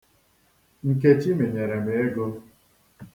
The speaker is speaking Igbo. Nkechi mịnyere m ego